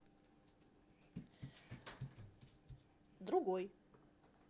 другой